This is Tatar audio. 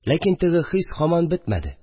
Ләкин теге хис һаман бетмәде